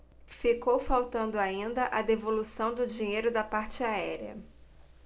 ficou faltando ainda a devolução do dinheiro da parte aérea